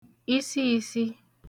isiisi